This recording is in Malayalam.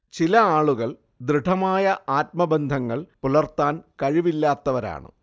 ചില ആളുകൾ ദൃഢമായ ആത്മബന്ധങ്ങൾ പുലർത്താൻ കഴിവില്ലാത്തവരാണ്